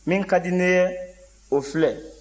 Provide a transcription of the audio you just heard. min ka di ne ye o filɛ